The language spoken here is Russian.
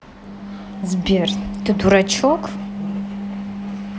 сбер ты дурачок